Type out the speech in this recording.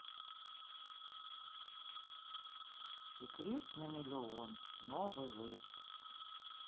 секрет на миллион новый выпуск